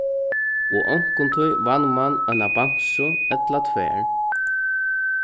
og onkuntíð vann mann eina bamsu ella tvær